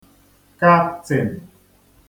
kaptịn